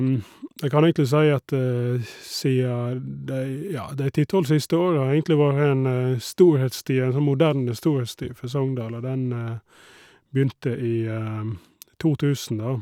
En kan egentlig si at, sia de ja, de ti tolv siste åra har egentlig vore en storhetstid, en sånn moderne storhetstid for Sogndal, og den begynte i to tusen, da.